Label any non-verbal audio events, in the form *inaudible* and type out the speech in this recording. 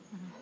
*hesitation* *hesitation*